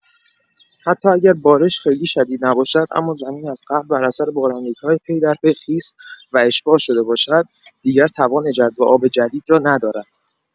حتی اگر بارش خیلی شدید نباشد، اما زمین از قبل بر اثر بارندگی‌های پی‌درپی خیس و اشباع شده باشد، دیگر توان جذب آب جدید را ندارد.